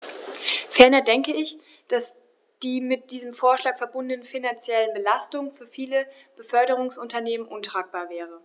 Ferner denke ich, dass die mit diesem Vorschlag verbundene finanzielle Belastung für viele Beförderungsunternehmen untragbar wäre.